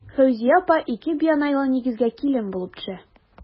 Фәүзия апа ике бианайлы нигезгә килен булып төшә.